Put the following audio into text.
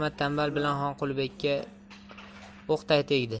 ahmad tanbal bilan xonqulibekka o'qday tegdi